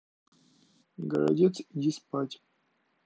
городец иди спать